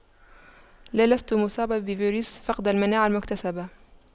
لا لست مصابة بفايروس فقد المناعة المكتسبة